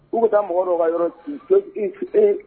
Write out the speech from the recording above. U bɛ taa mɔgɔ o yɔrɔ eee